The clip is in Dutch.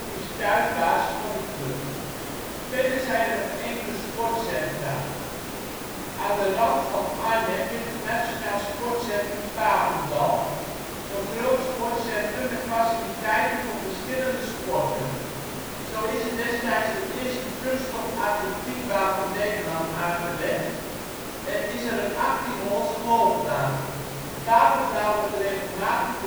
is thuisbasis van de club. Verder zijn er nog enkele sportcentra. Aan de rand van Arnhem ligt het Nationaal Sport Centrum Papendal, een groot sportcentrum met faciliteiten voor verschillende sporten. Zo is er destijds de eerste kunststof atletiekbaan van Nederland aangelegd en is er een 18-holes golfbaan. Papendal wordt regelmatig